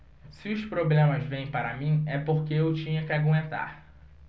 se os problemas vêm para mim é porque eu tinha que aguentar